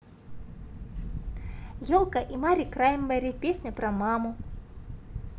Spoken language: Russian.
елка и мари краймбрери песня про маму